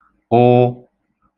ụ